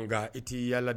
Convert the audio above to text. Nka i t'I yaala